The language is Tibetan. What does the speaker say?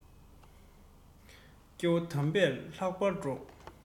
སྐྱེ བོ དམ པས ལྷག པར སྒྲོགས